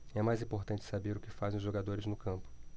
é mais importante saber o que fazem os jogadores no campo